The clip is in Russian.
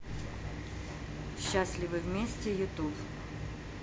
счастливы вместе ютуб